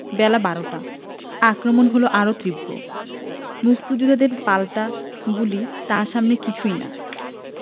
বেলা বারোটা আক্রমণ হলো আরও তীব্র মুক্তিযোদ্ধাদের পাল্টা গুলি তার সামনে কিছুই না